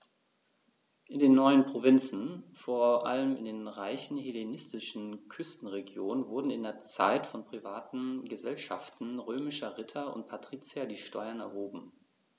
In den neuen Provinzen, vor allem in den reichen hellenistischen Küstenregionen, wurden in dieser Zeit von privaten „Gesellschaften“ römischer Ritter und Patrizier die Steuern erhoben.